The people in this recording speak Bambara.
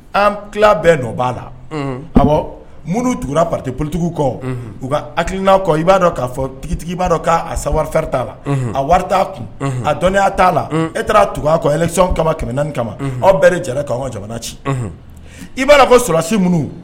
An tila bɛɛ b'a la a minnu duguna pate porotigiw kɔ u ka hakilikilina' kɔ i b'a dɔn k kaa fɔ tigitigi b'a dɔn'a sa fariri t'a la a wari t'a kun a dɔnniya t'a la e taara tugu kɔ kama kɛmɛenani kama aw bɛɛ de jɛnɛ' ka jamana ci i b'a fɔ sulasi minnu